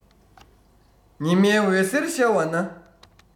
ཉི མའི འོད ཟེར ཤར བ ན